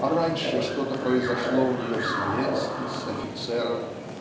а раньше что-то произошло у нее в Смоленске с офицером.